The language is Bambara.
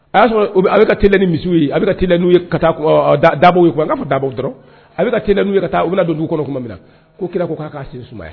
A y'a sɔrɔ a bɛ ka teliya ni misiw, a bɛ ka teliya n'u ye ka taa ɔɔ daabaw quoi ,n ka fɔ daabɔ dɔrɔn a bɛ ka teliya n'u ye ka taa ,u bɛna don dugu kɔnɔ tuma min na, ko kira ko k'a ka sen sumaya